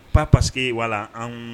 Pa paseke ye wala an